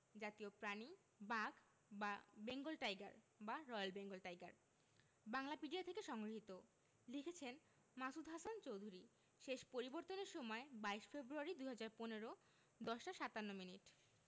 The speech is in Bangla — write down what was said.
জাতীয় প্রাণীঃ বাঘ বা বেঙ্গল টাইগার বা রয়েল বেঙ্গল টাইগার বাংলাপিডিয়া থেকে সংগৃহীত লিখেছেন মাসুদ হাসান চৌধুরী শেষ পরিবর্তনের সময় ২২ ফেব্রুয়ারি ২০১৫ ১০ টা ৫৭ মিনিট